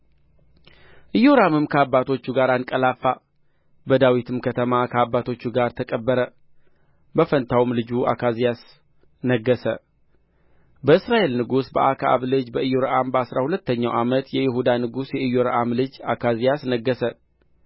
ኢዮራምም ከአባቶቹ ጋር አንቀላፋ በዳዊትም ከተማ ከአባቶቹ ጋር ተቀበረ በፋንታውም ልጁ አካዝያስ ነገሠ በእስራኤል ንጉሥ በአክዓብ ልጅ በኢዮራም በአሥራ ሁለተኛው ዓመት የይሁዳ ንጉሥ የኢዮራም ልጅ አካዝያስ ነገሠ